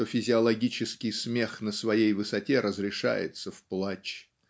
что физиологический смех на своей высоте разрешается в плач.